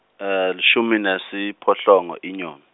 lishumi nesiphohlongo iNyoni.